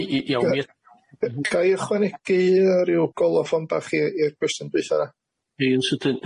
I- i- iawn i-... Ga'i ychwanegu yy ryw golofon bach i i'r cwestiwn dwytha? Cei yn sydyn.